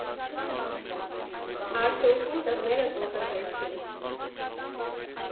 Արդյունքում դռները կոտրվեցին։